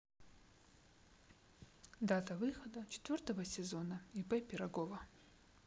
дата выхода четвертого сезона ип пирогова